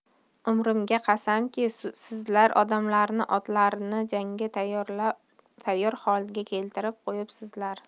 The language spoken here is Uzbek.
umrimga qasamki sizlar odamlarni otlarni jangga tayyor holga keltirib qo'yibsizlar